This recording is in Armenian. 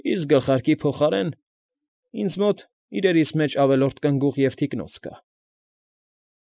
Իսկ գլխարկի փոխարեն… ինձ մոտ, իրերիս մեջ ավելորդ կնգուղ և թիկնոց կա։